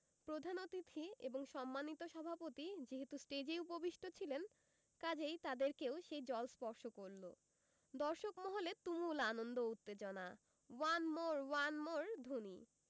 প্রধান অতিথি এবং সম্মানিত সভাপতি যেহেতু ষ্টেজেই উপবিষ্ট ছিলেন কাজেই তাদেরকেও সেই জল স্পর্শ করল দর্শক মহলে তুমুল আনন্দ ও উত্তেজনাওয়ান মোর ওয়ান মোর ধ্বনি